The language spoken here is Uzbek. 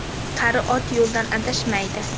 qari ot yo'ldan adashmaydi